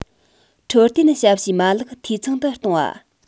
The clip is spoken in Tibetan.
འཕྲོད བསྟེན ཞབས ཕྱིའི མ ལག འཐུས ཚང དུ གཏོང བ